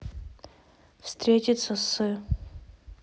встретиться с